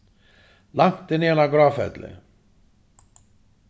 langt er niðan á gráfelli